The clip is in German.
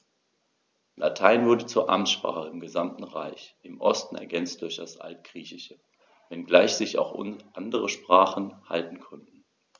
Latein wurde zur Amtssprache im gesamten Reich (im Osten ergänzt durch das Altgriechische), wenngleich sich auch andere Sprachen halten konnten.